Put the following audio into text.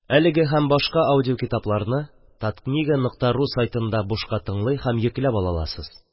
Әлеге һәм башка аудиокитапларны ТАТКНИГА нокта ру сайтында бушка тыңлый һәм йөкләп ала аласыз